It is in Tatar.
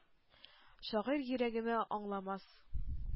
Шагыйрь йөрәгеме аңламас?